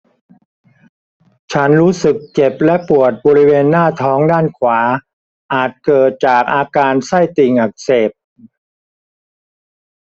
ฉันรู้สึกเจ็บและปวดบริเวณหน้าท้องด้านขวาอาจเกิดจากอาการไส้ติ่งอักเสบ